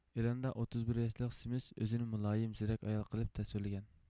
ئېلاندا ئوتتۇز بىر ياشلىق سىمس ئۆزىنى مۇلايىم زېرەك ئايال قىلىپ تەسۋىرلىگەن